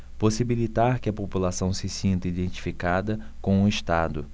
possibilitar que a população se sinta identificada com o estado